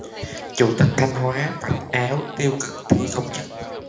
chủ tịch thanh hóa vạch áo tiêu cực thi công chức